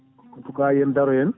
yen daaro hen